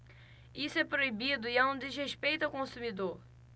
isso é proibido e é um desrespeito ao consumidor